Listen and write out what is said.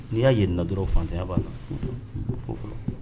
N'i'a yeina dɔrɔn faya b'a la fɔ fɔlɔ